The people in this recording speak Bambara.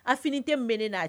A fini tɛ bɛnen n'a